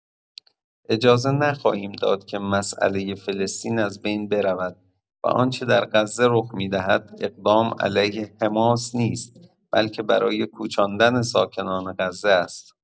اجازه نخواهیم داد که مساله فلسطین از بین برود و آنچه در غزه رخ می‌دهد اقدام علیه حماس نیست بلکه برای کوچاندن ساکنان غزه است.